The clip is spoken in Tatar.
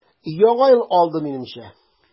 Яңа ел алды, минемчә.